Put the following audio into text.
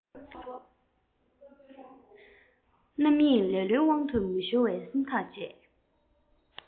རྣམ གཡེང ལེ ལོའི དབང དུ མི ཤོར བའི སེམས ཐག བཅད